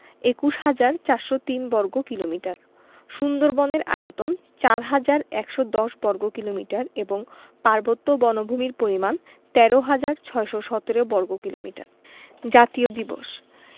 ২১হাজার ৪০৩ বর্গ কিলোমিটার সুন্দরবনের আয়তন ৪হাজার ১১০ বর্গ কিলোমিটার এবং পার্বত্য বনভূমির পরিমাণ ১৩হাজার ৬১৭ বর্গ কিলোমিটার জাতীয় দিবস